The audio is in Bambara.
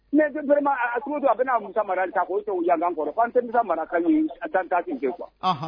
N don a bɛna' musa mara ta k'o yangan kɔrɔ an tɛmisa mara taa sen kuwa